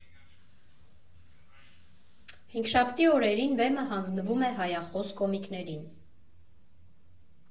Հինգշաբթի օրերին բեմը հանձնվում է հայախոս կոմիկներին։